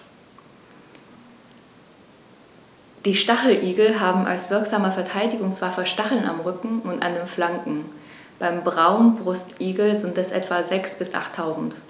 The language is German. Die Stacheligel haben als wirksame Verteidigungswaffe Stacheln am Rücken und an den Flanken (beim Braunbrustigel sind es etwa sechs- bis achttausend).